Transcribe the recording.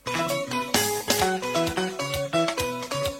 Sanunɛ